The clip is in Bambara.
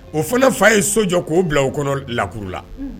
O fana fa ye so jɔ k'o bila o kɔnɔ lakurula